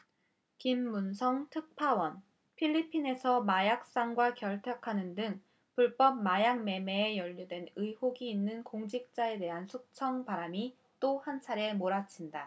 김문성 특파원 필리핀에서 마약상과 결탁하는 등 불법 마약 매매에 연루된 의혹이 있는 공직자에 대한 숙청 바람이 또 한차례 몰아친다